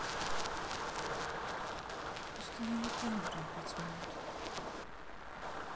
установить таймер на пять минут